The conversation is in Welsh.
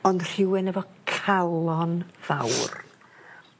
ond rhywun efo calon fawr.